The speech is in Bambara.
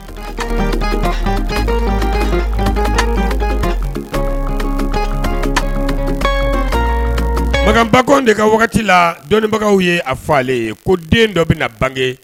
Magan Bakɔnde ka wagati la dɔnnibagaw ye a fɔ ale ye ko den dɔ bɛna bange